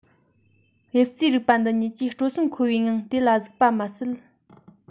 དབྱིབས རྩིས རིག པ འདི ཉིད ཀྱིས སྤྲོ སེམས འཁོལ བའི ངང དེ ལ གཟིགས པ མ ཟད